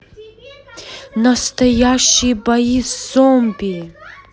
настоящие бои с зомби